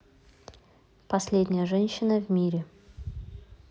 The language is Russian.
последняя женщина в мире